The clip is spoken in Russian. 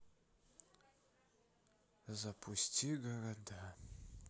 запусти города